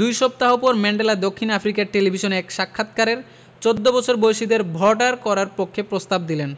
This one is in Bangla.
দুই সপ্তাহ পর ম্যান্ডেলা দক্ষিণ আফ্রিকার টেলিভিশনে এক সাক্ষাৎকারের ১৪ বছর বয়সীদের ভোটার করার পক্ষে প্রস্তাব দিলেন